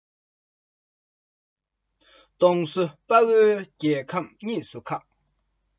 གདོང བསུ དཔའ བོ རྒྱལ ཁམས ཉེས སུ ཁག